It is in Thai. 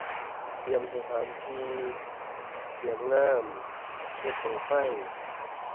เตรียมสถานที่ เตรียมงาน เฮ็ดบั้งไฟ